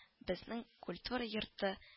Безнең культура йорты